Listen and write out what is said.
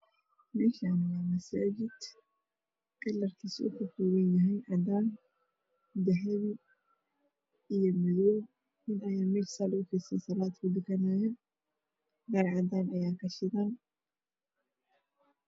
Meshan waa masajid kalarkisa kakobanyahay cadan dahabi iyomadow nin ayaa saliufidsan saladkatukanayo Leercadan ayaakashidan